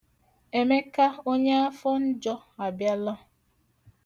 Emeka, onye afọ njọ, abịala!